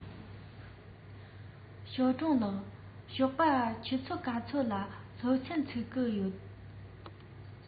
ཞའོ ཀྲུང ལགས ཞོགས པ ཆུ ཚོད ག ཚོད ལ སློབ ཚན ཚུགས ཀྱི ཡོད